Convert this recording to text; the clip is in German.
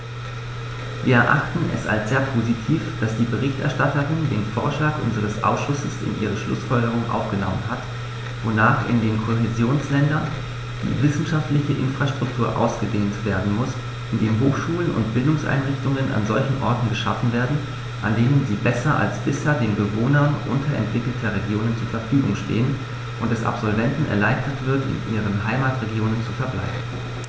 Wir erachten es als sehr positiv, dass die Berichterstatterin den Vorschlag unseres Ausschusses in ihre Schlußfolgerungen aufgenommen hat, wonach in den Kohäsionsländern die wissenschaftliche Infrastruktur ausgedehnt werden muss, indem Hochschulen und Bildungseinrichtungen an solchen Orten geschaffen werden, an denen sie besser als bisher den Bewohnern unterentwickelter Regionen zur Verfügung stehen, und es Absolventen erleichtert wird, in ihren Heimatregionen zu verbleiben.